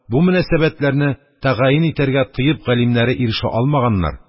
Бу мөнәсәбәтләрне тәгъйин итәргә тыйб галимнәре ирешә алмаганнар.